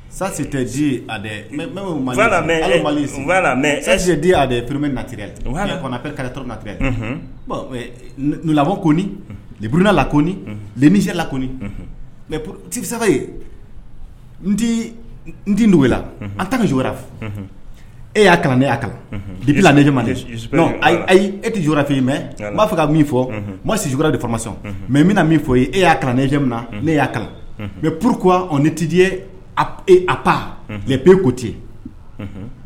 Sasi tɛsia porome natiere t natigɛ lamɔbɔ ko bna la kooni ni la ko mɛ p tisa ye n n dugula a ta ka e y'a kalan ne y'a kalanbila nematɛ ayi ayi e tɛra fɛ yen mɛ n b'a fɛ ka min fɔ ma sira de fama sɔn mɛ n bɛna na min fɔ e y'a kalan nejɛmina na ne y'a kalan bɛ pur ne tɛ diɲɛ a pan mɛ pe ko ten